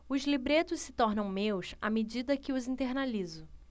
os libretos se tornam meus à medida que os internalizo